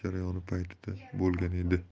olish jarayoni paytida bo'lgan edi